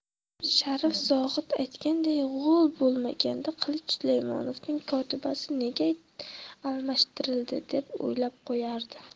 sharif zohid aytganday go'l bo'lmaganda qilich sulaymonovning kotibasi nega almashtirildi deb o'ylab qo'yardi